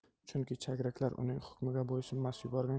chunki chagraklar uning hukmiga bo'ysunmas yuborgan